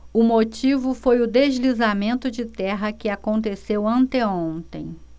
o motivo foi o deslizamento de terra que aconteceu anteontem